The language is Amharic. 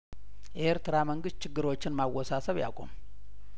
የኤርትራ መንግስት ችግሮችን ማወሳሰብ ያቁም